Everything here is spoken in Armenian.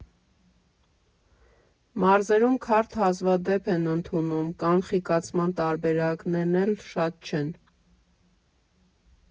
Մարզերում քարտ հազվադեպ են ընդունում, կանխիկացման տարբերակներն էլ շատ չեն։